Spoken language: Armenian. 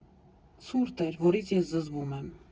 Ցուրտ էր, որից ես զզվում եմ։